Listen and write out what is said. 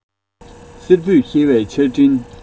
བསེར བུས འཁྱེར བའི ཆར སྤྲིན